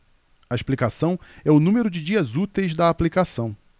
a explicação é o número de dias úteis da aplicação